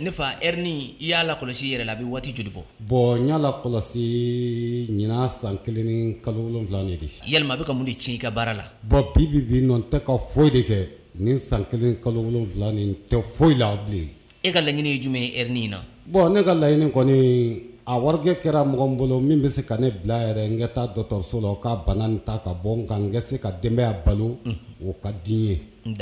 ne fa yalala kɔlɔsi yɛrɛ la i bɛ waati joli bɔ bɔn n yalala kɔlɔsi ɲɛna san kelen kalo wolonwula de ya bɛ ka mun ci i ka baara la bɔn bibibi nɔn tɛ ka foyi de kɛ nin san kelen kalo wolonwula nin tɛ foyi la bilen e ka laɲini ye jumɛn ye ni in na bɔn ne ka laɲiniini kɔni a warikɛ kɛra mɔgɔ n bolo min bɛ se ka ne bila yɛrɛ n ka taa dɔtɔso la ka bana nin ta ka bɔ nka n se ka denbaya a balo o ka di ye